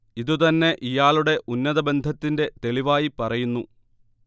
ഇത് തന്നെ ഇയാളുടെ ഉന്നത ബന്ധത്തിന്റെ തെളിവായി പറയുന്നു